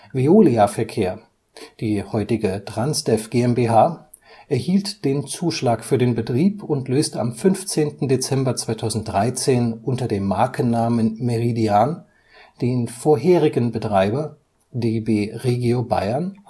Veolia Verkehr, die heutige Transdev GmbH, erhielt den Zuschlag für den Betrieb und löste am 15. Dezember 2013 unter dem Markennamen „ Meridian “den vorherigen Betreiber, DB Regio Bayern